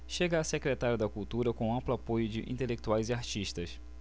chega a secretário da cultura com amplo apoio de intelectuais e artistas